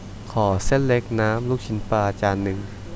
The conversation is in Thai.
ขอเส้นเล็กน้ำลูกชิ้นปลาจานหนึ่ง